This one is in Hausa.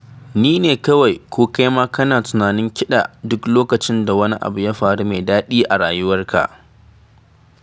Ni ne kawai ko kai ma kana tunanin kiɗa duk lokacin da wani abu mai daɗi ya faru a ruwarka?